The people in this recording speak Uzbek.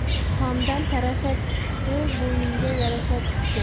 tomdan tarasha tushdi bo'yimga yarasha tushdi